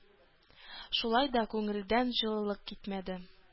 Шулай да күңелдән җылылык китмәде.